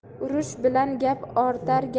urush bilan gap ortar